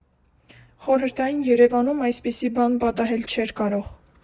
Խորհրդային Երևանում այսպիսի բան պատահել չէր կարող։